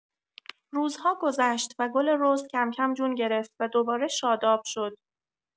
روزها گذشت و گل رز کم‌کم جون گرفت و دوباره شاداب شد.